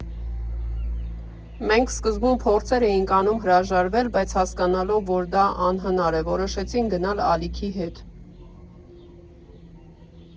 Մենք սկզբում փորձեր էինք անում հրաժարվել, բայց հասկանալով, որ դա անհնար է՝ որոշեցինք գնալ ալիքի հետ։